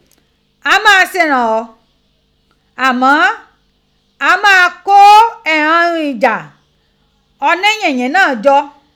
A maa ṣe ìrànghọ́, àmọ́ a máa kó ighan ihun ìjà oníyìnyín náà jọ.